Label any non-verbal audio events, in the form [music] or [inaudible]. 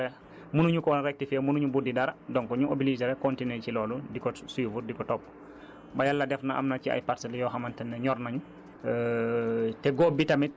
bon fekk naa ñu [hesitation] def loolu ba pare mënuñu ko woon rectifier mënuñu buddi dara donc ñu obliger rekk continuer ci loolu di ko suivre di ko topp ba Yàlla def na am na ci ay parcelles yoo xamante ne ñor nañu